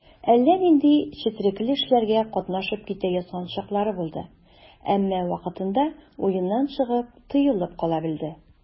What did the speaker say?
Әллә нинди четрекле эшләргә катнашып китә язган чаклары булды, әмма вакытында уеннан чыгып, тыелып кала белде.